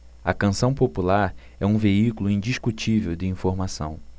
a canção popular é um veículo indiscutível de informação